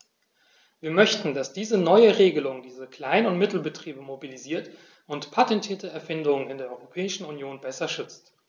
Wir möchten, dass diese neue Regelung diese Klein- und Mittelbetriebe mobilisiert und patentierte Erfindungen in der Europäischen Union besser schützt.